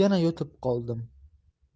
yana yotib qoldim